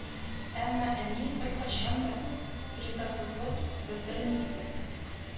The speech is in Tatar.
Әмма әни беркайчан да ризасызлык белдерми иде